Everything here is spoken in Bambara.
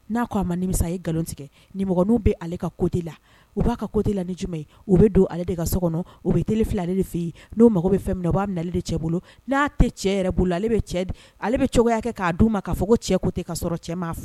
Na ko a ma nimisa , a ye ngalon tigɛ . Nimɔgɔninw bɛ ale de ka côté la . U ba ka coté la ni jumɛn ye ? U bi don ale de ka so kɔnɔ , u bi tele filɛ ale de fe yen, nu mago bi min na u ba minɛ ale de cɛ bolo. Na tɛ cɛ yɛrɛ bolo ale be cogoya kɛ ka du ma ka fɔ ko cɛ ko ten ka sɔrɔ cɛ ma fɔ.